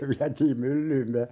se vietiin myllyyn